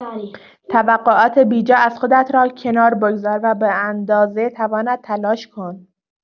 توقعات بی‌جا از خودت را کنار بگذار و به‌اندازه توانت تلاش کن.